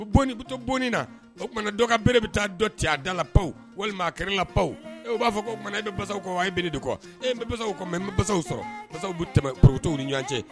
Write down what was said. U boni, u bɛ to boni na, o tuma na dɔ bere bɛ ta dɔ ci a da la, pawu, walima a kɛra la bawu, o b'a fɔ ko, e bɛ basaw kɔ walima e bɛ ne de kɔ, e n bɛ basaw kɔ mais ma basaw sɔrɔ, basaw bɛ tɛmɛ porokoto u ni ɲɔgɔn cɛ